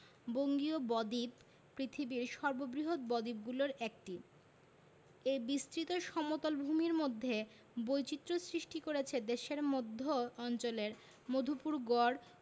বঙ্গীয় বদ্বীপ পৃথিবীর সর্ববৃহৎ বদ্বীপগুলোর একটি এই বিস্তৃত সমতল ভূমির মধ্যে বৈচিত্র্য সৃষ্টি করেছে দেশের মধ্য অঞ্চলের মধুপুর গড়